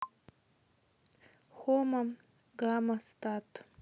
хопа гамо стат